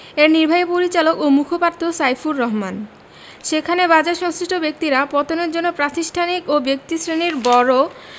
এর নির্বাহী পরিচালক ও মুখপাত্র সাইফুর রহমান সেখানে বাজারসংশ্লিষ্ট ব্যক্তিরা পতনের জন্য প্রাতিষ্ঠানিক ও ব্যক্তিশ্রেণির বড়